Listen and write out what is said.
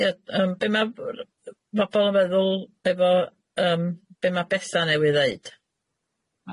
Ia yym be' ma' r- yy bobol yn feddwl efo yym be' ma' Betha newydd ddeud?